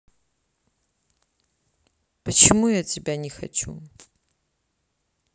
почему я тебя не хочу